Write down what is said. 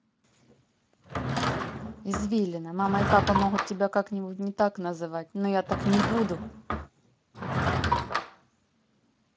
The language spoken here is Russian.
извилина мама и папа могут тебя как нибудь не так называть но я так не буду